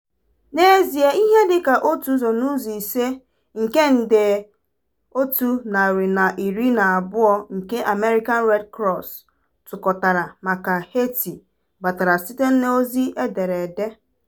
N'ezie, ihe dịka otu ụzọ n'ụzọ ise nke nde $112 nke American Red Cross tụkọtara maka Haiti batara site n'ozi ederede.